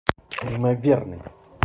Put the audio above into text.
неимоверный